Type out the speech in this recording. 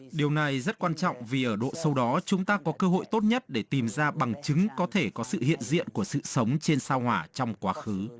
điều này rất quan trọng vì ở độ sâu đó chúng ta có cơ hội tốt nhất để tìm ra bằng chứng có thể có sự hiện diện của sự sống trên sao hỏa trong quá khứ